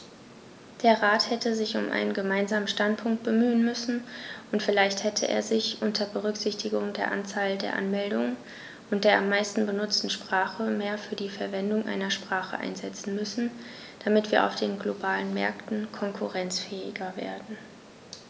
Der Rat hätte sich um einen gemeinsamen Standpunkt bemühen müssen, und vielleicht hätte er sich, unter Berücksichtigung der Anzahl der Anmeldungen und der am meisten benutzten Sprache, mehr für die Verwendung einer Sprache einsetzen müssen, damit wir auf den globalen Märkten konkurrenzfähiger werden.